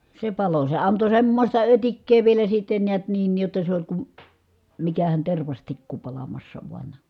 se antoi semmoista ötikkää vielä sitten näet niin jotta se oli kun mikähän tervastikku palamassa vain